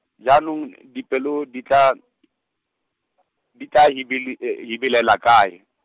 jaanong dipelo di tla , di tla hibil- , hibilela kae?